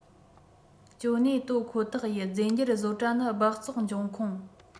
ཅོ ནེ གཏོད ཁོ ཐག ཡིན རྫས འགྱུར བཟོ གྲྭ ནི སྦགས བཙོག འབྱུང ཁུངས